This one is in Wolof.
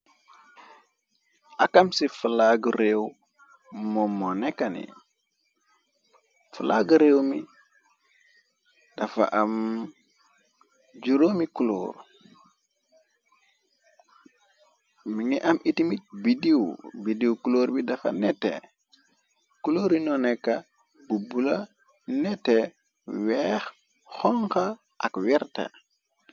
Ak am ci flag réew moo mo nekkani flag réew mi dafa am 5m klor mi ngi am itimit bdiw bidiw clor bi dafa nete klórino neka bu bula nete weex xonxa ak werta.